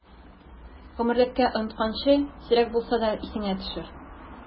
Гомерлеккә онытканчы, сирәк булса да исеңә төшер!